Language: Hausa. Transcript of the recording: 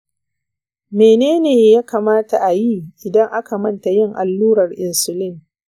menene ya kamata a yi idan aka manta yin allurar insulin?